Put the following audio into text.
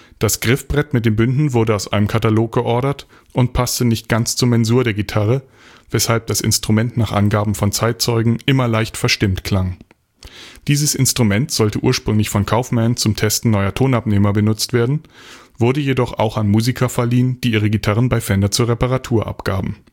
Das Griffbrett mit den Bünden wurde aus einem Katalog geordert und passte nicht ganz zur Mensur der Gitarre, weshalb das Instrument nach Angaben von Zeitzeugen immer leicht verstimmt klang. Dieses Instrument sollte ursprünglich von Kaufmann zum Testen neuer Tonabnehmer benutzt werden, wurde jedoch auch an Musiker verliehen, die ihre Gitarren bei Fender zur Reparatur abgaben